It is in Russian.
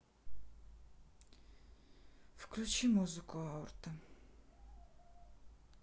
включи музыку аорта